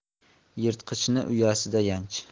yirtqichni uyasida yanch